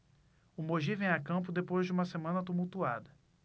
o mogi vem a campo depois de uma semana tumultuada